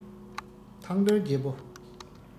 ཐང སྟོང རྒྱལ བོ